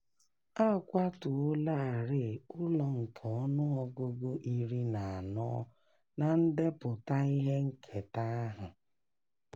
A kwatuolarịị ụlọ nke ọnụọgụgụ 14 na ndepụta ihe nketa ahụ.